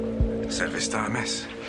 Yn service da, miss.